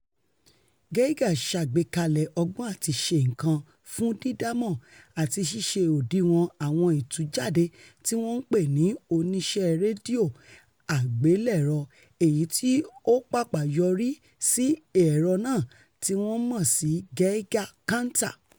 Geiger ṣàgbékalẹ̀ ọgbọ́n-àtiṣenǹkan fún dídámọ̀ àti ṣíṣe òdiwọ̀n àwọn ìtújáde tíwọn pè ni oníṣẹ́rédíò, àgbélẹ̀rọ èyití o pàpà yọrísì ẹ̀rọ náà tíwọ́n mọ̀ sí Geiger Counter.